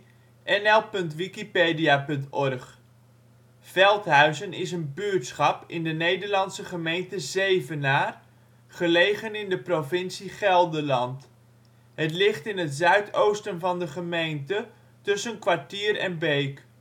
51° 54 ' NB, 6° 09 ' OL Veldhuizen Plaats in Nederland Situering Provincie Gelderland Gemeente Zevenaar Coördinaten 51° 54′ NB, 6° 9′ OL Portaal Nederland Veldhuizen is een buurtschap in de Nederlandse gemeente Zevenaar, gelegen in de provincie Gelderland. Het ligt in het zuidoosten van de gemeente tussen Kwartier en Beek